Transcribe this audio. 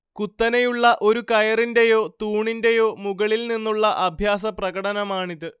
കുത്തനെയുള്ള ഒരു കയറിൻറെയോ തൂണിൻറെയോ മുകളിൽ നിന്നുള്ള അഭ്യാസപ്രകടനമാണിത്